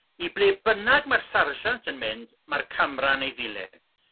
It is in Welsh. i ble bynnag mae'r sarjant yn mynd ma'r camra'n ei ddilyn